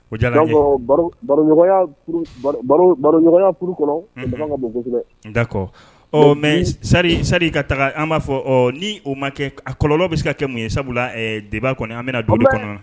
Dakɔ mɛriri ka taga an b'a fɔ ni o ma kɛ kɔlɔ bɛ se kɛ mun ye sabula de kɔnɔ an bɛna don kɔnɔ